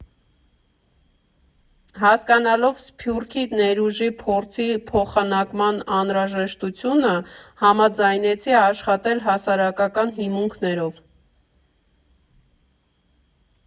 Հասկանալով Սփյուռքի ներուժի փորձի փոխանակման անհրաժեշտությունը՝ համաձայնեցի աշխատել հասարակական հիմունքներով։